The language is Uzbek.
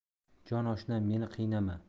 jon oshnam meni qiynama